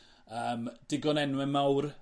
yym digon o enwe mawr